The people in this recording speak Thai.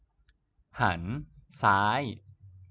หันซ้าย